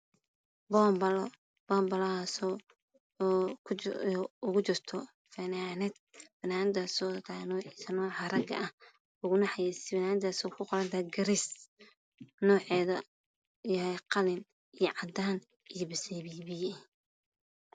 Boonbalo bonbalahaaso ugu jirto fananad fananadaso tahay nocisa nooca raga fananadaso ku qoran tahay geers noceeda yahy qalin cadaan iyo basali bi biyo eh